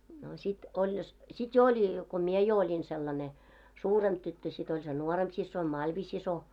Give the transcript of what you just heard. no sitten oli jos sitten jo oli kun minä jo olin sellainen suurempi tyttö sitten oli se nuorempi siskoni Malvi-sisko